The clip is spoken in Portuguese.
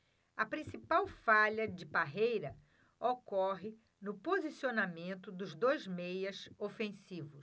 a principal falha de parreira ocorre no posicionamento dos dois meias ofensivos